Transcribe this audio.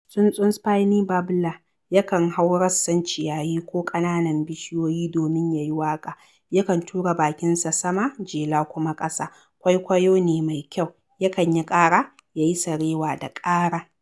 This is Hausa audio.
Tsuntsun Spiny Babbler yakan hau rassan ciyayi ko ƙananan bishiyoyi domin ya yi waƙa, yakan tura bakinsa sama jela kuma ƙasa, kwaikwayo ne mai kyau, yakan yi ƙara, ya yi sarewa da ƙara.